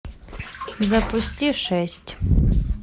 запусти шесть